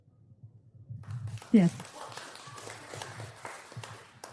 Ie.